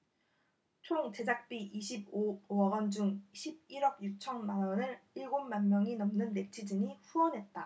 총 제작비 이십 오 억원 중 십 일 억 육천 만원을 일곱 만명이 넘는 네티즌이 후원했다